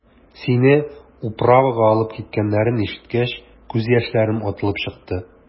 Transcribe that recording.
Сине «управа»га алып киткәннәрен ишеткәч, күз яшьләрем атылып чыкты.